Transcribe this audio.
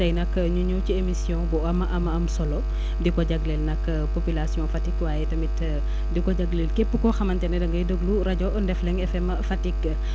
tey nag ñu ñëw ci émission bu am a am solo di ko jagleen nag population Fatick waaye tamit di ko jagleel képp koo xamante ne dangay déglu rajo Ndefleng FM Fatick